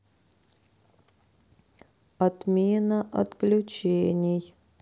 отмена отключений